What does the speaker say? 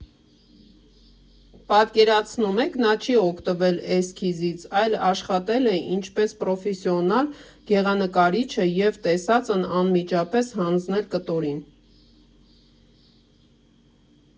Պատկերացնում եք, նա չի օգտվել էսքիզից, այլ աշխատել է ինչպես պրոֆեսիոնալ գեղանկարիչը և տեսածն անմիջապես հանձնել կտորին։